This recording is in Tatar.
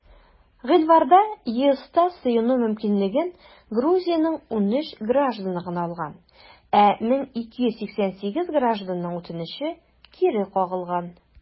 Гыйнварда ЕСта сыену мөмкинлеген Грузиянең 13 гражданы гына алган, ә 1288 гражданның үтенече кире кагылган.